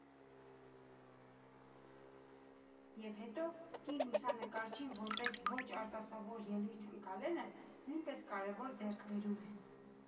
֊ Եվ հետո կին լուսանկարչին՝ որպես ոչ արտասովոր երևույթ ընկալելը նույնպես կարևոր ձեռքբերում է։